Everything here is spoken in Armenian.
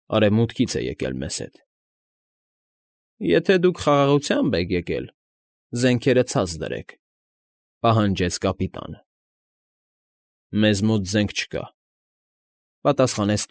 Արևմուտքից է եկել մեզ հետ։ ֊ Եթե դուք խաղաղությամբ եք եկել, զենքերը ցած դրեց,֊ պահանջեց կապիտանը։ ֊ Մեզ մոտ զենք չկա,֊ պատասխանեց։